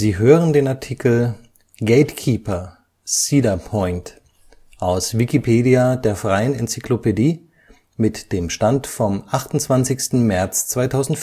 hören den Artikel GateKeeper (Cedar Point), aus Wikipedia, der freien Enzyklopädie. Mit dem Stand vom Der